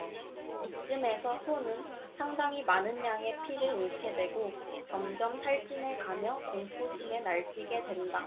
이쯤에서 소는 상당히 많은 양의 피를 잃게 되고 점점 탈진해 가며 공포심에 날뛰게 된다